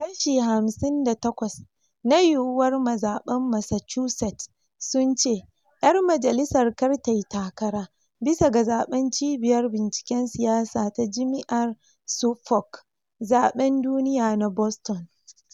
Kashi hamsin da takwas na “yiyuwar” mazaban Massachusetts sun ce ‘yar majalisar kar tayi takara, bisa ga zaben Cibiyar Binciken Siyasa ta Jimi’ar Suffolk/Zaben Duniya na Boston.